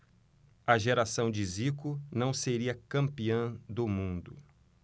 a geração de zico não seria campeã do mundo